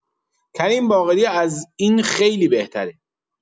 کریم باقری از این خیلی بهتره.